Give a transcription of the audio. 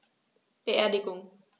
Beerdigung